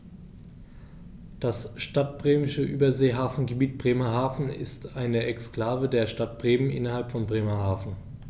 Das Stadtbremische Überseehafengebiet Bremerhaven ist eine Exklave der Stadt Bremen innerhalb von Bremerhaven.